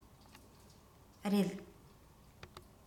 རེད